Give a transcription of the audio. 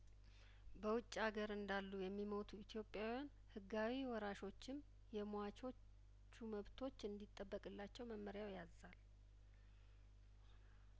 በውጭ አገር እንዳሉ የሚሞቱ ኢትዮጵያውያን ህጋዊ ወራሾችም የሟቾቹ መብቶች እንዲጠበቅላቸው መመሪያው ያዛል